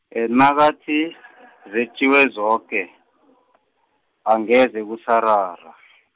nakathi zetjiwe zoke , angeze kusarara.